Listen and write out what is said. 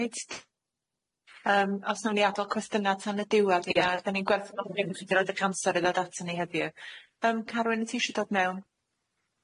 Reit yym a os nawn ni adal cwestiyna tan y diwadd ia da ni'n gwerthfawrogi bo' chi 'di roid y cyamser i ddod aton ni heddiw. Yym Carwyn tisio dod mewn?